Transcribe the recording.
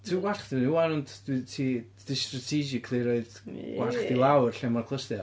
Ti efo gwallt chdi fyny 'wan ond dwi... ti 'di s- strategically roid... Ie! ...gwallt chdi lawr lle mae'r clustiau.